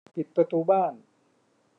ปิดประตูบ้าน